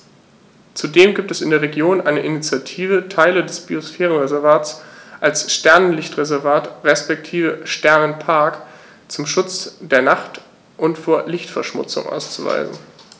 Zudem gibt es in der Region eine Initiative, Teile des Biosphärenreservats als Sternenlicht-Reservat respektive Sternenpark zum Schutz der Nacht und vor Lichtverschmutzung auszuweisen.